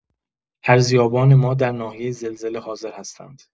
ارزیابان ما در ناحیه زلزله حاضر هستند.